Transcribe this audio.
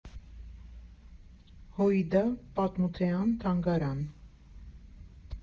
ՀՅԴ Պատմութեան թանգարան։